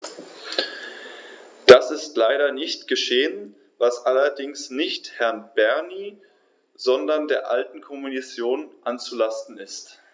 Das ist leider nicht geschehen, was allerdings nicht Herrn Bernie, sondern der alten Kommission anzulasten ist.